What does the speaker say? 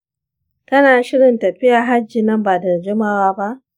kana shirin tafiya hajji nan ba da jimawa ba?